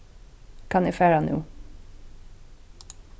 kann eg fara nú